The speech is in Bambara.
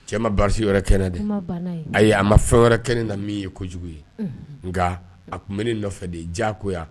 Cɛ ma baasi wɛrɛ kɛnɛ dɛ ayi ye a ma fɛn wɛrɛ kɛnɛ na min ye kojugu ye nka a tun bɛ nɔfɛ de jagoya